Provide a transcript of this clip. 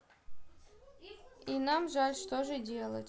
и нам жаль что же делать